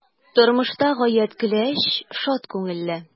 Тормышта гаять көләч, шат күңелле.